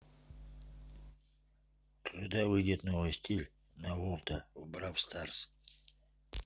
когда выйдет новый стиль на volta в brawl stars